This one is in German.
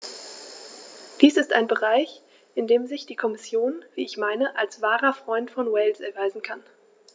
Dies ist ein Bereich, in dem sich die Kommission, wie ich meine, als wahrer Freund von Wales erweisen kann.